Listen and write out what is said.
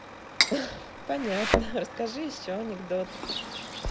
понятно расскажи еще анекдот